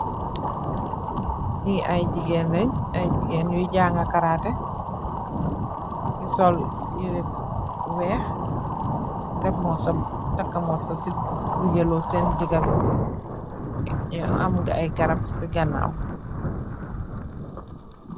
Ki aye gigeen la aye gigeen yuy jangah karateh nyunge sul lu wekh takah mursoh bu yellow sen ndegah am aye garap yu neka si ganaw.